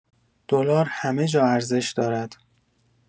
دلار همه جا ارزش دارد.